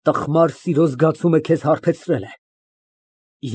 Տխմար սիրո զգացումը հարբեցրել է քեզ։